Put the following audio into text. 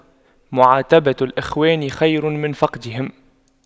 معاتبة الإخوان خير من فقدهم